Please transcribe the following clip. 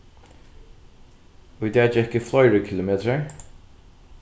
í dag gekk eg fleiri kilometrar